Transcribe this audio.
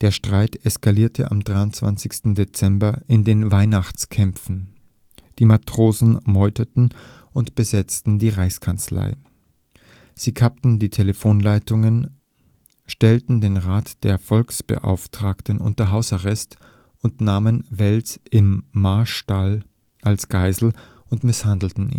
Streit eskalierte am 23. Dezember in den Weihnachtskämpfen. Die Matrosen meuterten und besetzten die Reichskanzlei. Sie kappten die Telefonleitungen, stellten den Rat der Volksbeauftragten unter Hausarrest und nahmen Wels im Marstall als Geisel und misshandelten